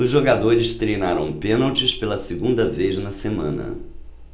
os jogadores treinaram pênaltis pela segunda vez na semana